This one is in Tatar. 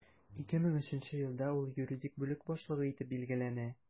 2003 елда ул юридик бүлек башлыгы итеп билгеләнә.